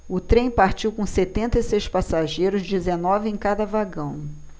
o trem partiu com setenta e seis passageiros dezenove em cada vagão